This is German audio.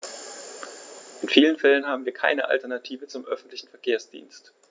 In vielen Fällen haben wir keine Alternative zum öffentlichen Verkehrsdienst.